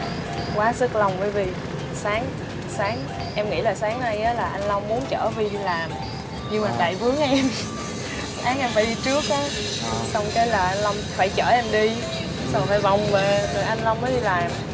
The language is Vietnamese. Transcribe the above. quá sức long với vy sáng sáng em nghĩ là sáng nay á là anh long muốn trở vy đi làm nhưng mà tại vướng em sáng em phải đi trước á xong cái là anh long phải chở em đi xong mới vòng về rồi anh long mới đi làm